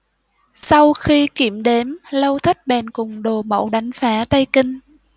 sau khi kiểm đếm lâu thất bèn cùng đồ mẫu đánh phá tây kinh